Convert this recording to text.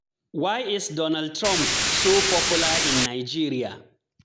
Why is Donald Trump so popular in Nigeria?